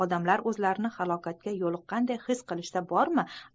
odamlar o'zlarini halokatga yo'liqqanday his qilishsa bormi